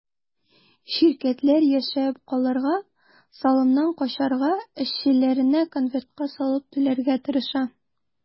Ширкәтләр яшәп калырга, салымнан качарга, эшчеләренә конвертка салып түләргә тырыша.